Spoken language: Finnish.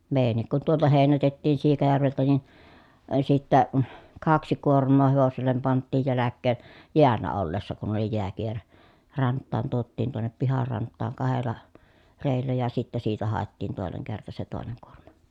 meidänkin kun tuolta heinätettiin Siikajärveltä niin - sitten kaksi kuormaa hevoselle pantiin jälkeen jäällä ollessa kun oli jääkierä rantaan tuotiin tuonne pihan rantaan kahdella reellä ja sitten siitä haettiin toinen kerta se toinen kuorma